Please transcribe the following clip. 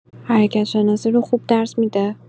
حرکت‌شناسی رو خوب درس می‌ده؟